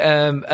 ...yym